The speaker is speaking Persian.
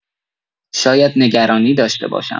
شاید نگرانی داشته باشم.